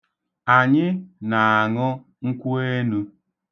Anyị na-aṅụ nkwụenu.